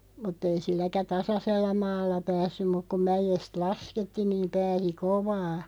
mutta ei silläkään tasaisella maalla päässyt mutta kun mäestä laskettiin niin pääsi kovaa